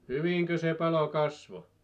hyvinkö se palo kasvoi